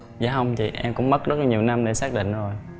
dạ hông chị em cũng mất rất là nhiều năm để xác định rồi